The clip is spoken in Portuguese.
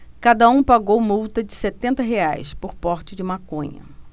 cada um pagou multa de setenta reais por porte de maconha